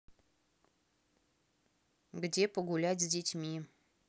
где погулять с детьми